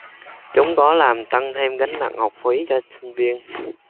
chúng có làm tăng thêm gánh nặng học phí cho sinh viên